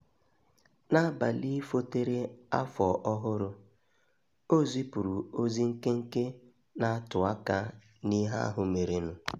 N'Abalị Fotere Afọ Ọhụrụ, o zipuru ozi nkenke na-atụ aka n'ihe ahụ merenụ.